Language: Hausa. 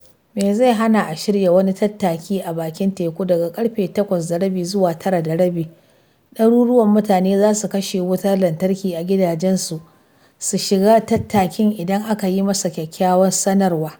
Me zai hana a shirya wani tattaki a bakin teku daga ƙarfe 8:30 zuwa 9:30… ɗaruruwan mutane za su kashe wutar lantarki a gidajensu su shiga tattakin idan aka yi masa kyakkyawar sanarwa .